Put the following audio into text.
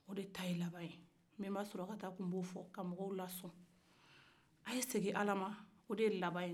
o de ta ye laban ye nbenba sulakata tun bo fɔ ka mɔgɔw la sɔn a ye segin ala ma o de ye laban ye